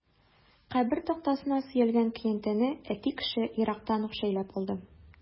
Кабер тактасына сөялгән көянтәне әти кеше ерактан ук шәйләп алды.